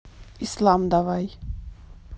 ислам давай